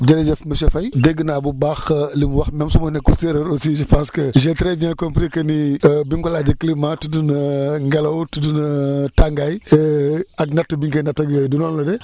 jërëjëf monsieur Faye dégg naa bu baax li mu wax même su ma nekkul séeréer aussi :ra je pense que j' ai très bien compris que nii bi ma ko laajee climat tudd na ngelaw tudd na tàngaay ak natt bi nga koy natt ak yooyu du noonu la de